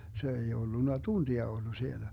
se ei ollut tuntia ollut siellä